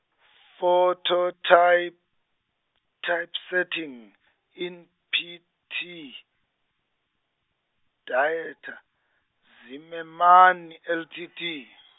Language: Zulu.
phototy- -typesetting in P T Dieter Zimmermann L T D.